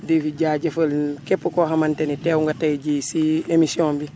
di jaajëfal képp koo xamante ne teew nga tey jii si émission bi